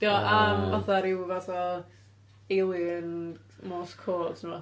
Ydi o am fatha ryw fath o Alien morse codes neu rwbeth.